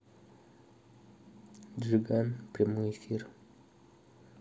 джиган прямой эфир